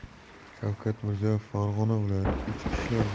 shavkat mirziyoyev farg'ona viloyati ichki ishlar